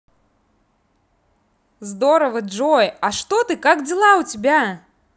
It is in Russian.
здорово джой а что ты как дела у тебя